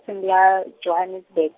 , ya Johannesburg.